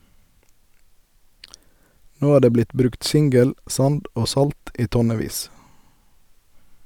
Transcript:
Nå er det blitt brukt singel, sand og salt i tonnevis.